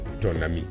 Ton ami